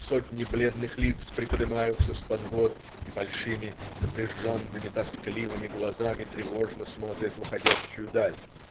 сотни бледных лиц приподымаются с подвод и большими, напряженными, тоскливыми глазами тревожно смотрят в уходящую даль.